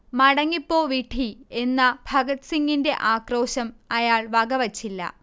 'മടങ്ങിപ്പോ വിഡ്ഢീ' എന്ന ഭഗത്സിങ്ങിന്റെ ആക്രോശം അയാൾ വകവച്ചില്ല